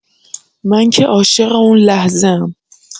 من که عاشق اون لحظه‌ام